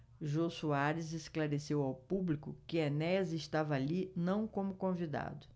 jô soares esclareceu ao público que enéas estava ali não como convidado